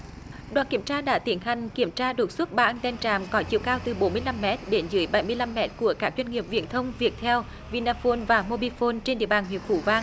đoàn kiểm tra đã tiến hành kiểm tra đột xuất ba ăng ten tràm có chiều cao từ bốn mươi lăm mét đến dưới bảy mươi lăm mét của các doanh nghiệp viễn thông việt theo vi na phôn và mô bi phôn trên địa bàn huyện phú vang